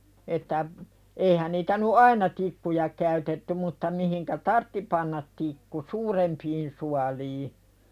että eihän niitä nyt aina tikkuja käytetty mutta - mihin tarvitsi panna tikku suurempiin suoliin